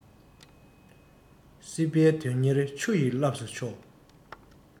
སྲེད པས དོན གཉེར ཆུ ཡི རླབས སུ འཕྱོ